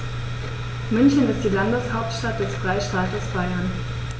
München ist die Landeshauptstadt des Freistaates Bayern.